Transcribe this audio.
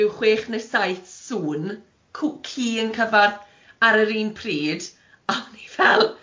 r'w chwech neu saith sŵn cw- ci yn cyfath ar yr un pryd a o'n i fel.